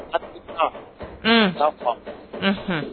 A kafa